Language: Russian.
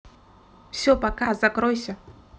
все пока закройся